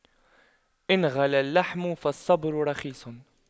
إن غلا اللحم فالصبر رخيص